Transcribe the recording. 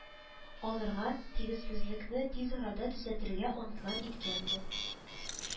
Алырга, тигезсезлекне тиз арада төзәтергә антлар иткән бу